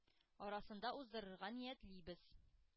Арасында уздырырга ниятлибез.